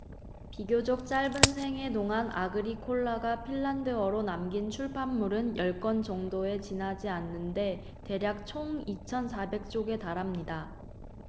비교적 짧은 생애 동안 아그리콜라가 핀란드어로 남긴 출판물은 열 권 정도에 지나지 않는데 대략 총 이천 사백 쪽에 달합니다